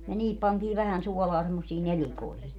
ja niihin pantiin vähän suolaa semmoisiin nelikoihin